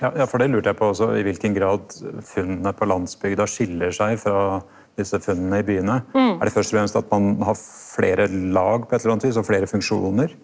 ja ja for det lurte eg på også i kva grad funna på landsbygda skil seg frå desse funna i byane, er det først og fremst at ein har fleire lag på eit eller anna vis og fleire funksjonar?